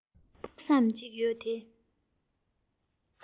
ཕུགས བསམ གཅིག ཡོད དེ